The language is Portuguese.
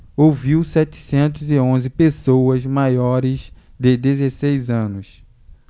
ouviu setecentos e onze pessoas maiores de dezesseis anos